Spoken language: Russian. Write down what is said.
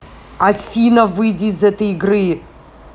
афина выйди из этой игры